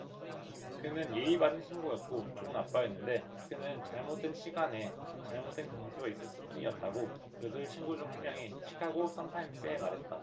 그는 예의 바른 친구였고 좋은 아빠였는데 그는 잘못된 시간에 잘못된 장소에 있었을 뿐이었다고 그들 친구 중 한 명이 시카고 선타임스에 말했다